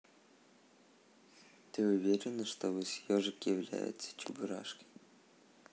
ты уверена что вы с ежик является чебурашкой